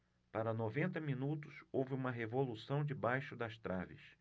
para noventa minutos houve uma revolução debaixo das traves